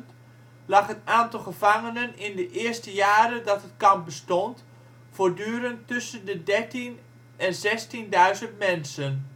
lag het aantal gevangenen in de eerste jaren dat het kamp bestond voortdurend tussen de dertien - en zestienduizend mensen